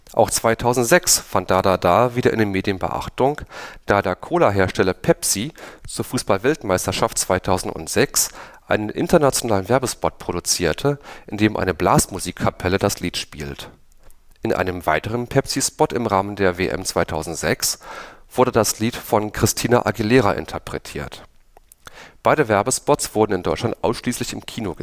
Auch 2006 fand „ Da da da “wieder in den Medien Beachtung, da der Cola-Hersteller Pepsi zur Fußball-Weltmeisterschaft 2006 einen internationalen Werbespot produzierte, in dem eine Blasmusikkapelle das Lied spielt. In einem weiteren Pepsi-Spot im Rahmen der WM 2006 wurde das Lied von Christina Aguilera interpretiert. Beide Werbespots wurden in Deutschland ausschließlich im Kino gezeigt